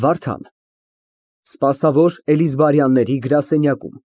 ՎԱՐԴԱՆ ֊ Սպասավոր Էլիզբարյանների գրասենյակում։